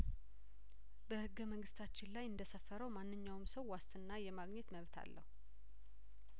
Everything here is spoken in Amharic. በህገ መንግስታችን ላይእንደ ሰፈረው ማንኛውም ሰው ዋስትና የማግኘት መብት አለው